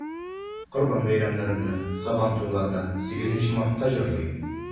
Корбан бәйрәмнәрендә, Сабантуйларда, 8 Мартта җырлый.